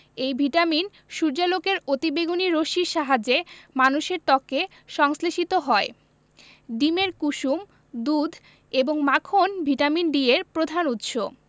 এই ভিটামিন সূর্যালোকের অতিবেগুনি রশ্মির সাহায্যে মানুষের ত্বকে সংশ্লেষিত হয় ডিমের কুসুম দুধ এবং মাখন ভিটামিন D এর প্রধান উৎস